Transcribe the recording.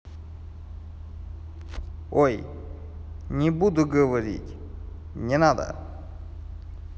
ой не буду говорить не надо